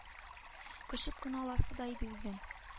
Кочып кына аласы да иде үзен